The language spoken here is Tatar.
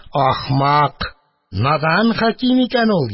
Ахмак, надан хәким икән ул.